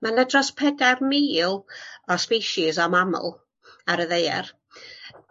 Ma' 'na dros pedair mil o species o mamal ar y ddaear